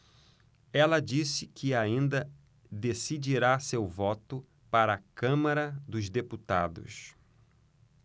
ela disse que ainda decidirá seu voto para a câmara dos deputados